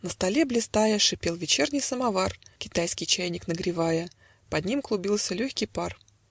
на столе, блистая, Шипел вечерний самовар, Китайский чайник нагревая Под ним клубился легкий пар.